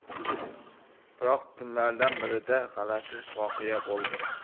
biroq kunlardan birida g'alati voqea bo'ldi